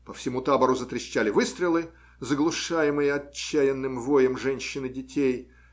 По всему табору затрещали выстрелы, заглушаемые отчаянным воем женщин и детей.